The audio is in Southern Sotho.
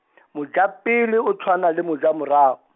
mojapele o tshwana le mojamorao.